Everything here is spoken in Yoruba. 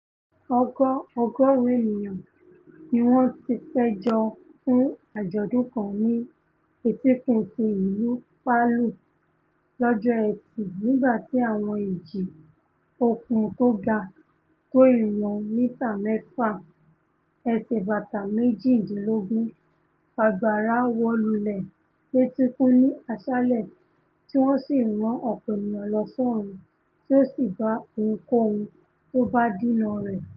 Ọgọ-ọgọ́ọ̀rún ènìyàn niwọń tipéjọ fun àjọ̀dún kan ní etíkun ti ìlú Palu lọ́jọ́ Ẹtì nígbà ti àwọn ìjì òkun tóga tó ìwọ̀n mítà mẹ́fà (ẹsẹ̀ bàtà 18) fagbára wólulẹ̀ létíkun ní àṣalẹ́, tí wọ́n sì rán ọ̀pọ̀ ènìyàn lọ sọ́run tí ó sì bá ohunkóhun tó bá dínà rẹ̀.